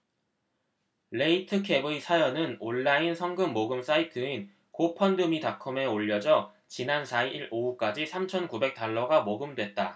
레이트켑의 사연은 온라인 성금 모금 사이트인 고펀드미닷컴에 올려져 지난 사 일 오후까지 삼 천 구백 달러가 모금됐다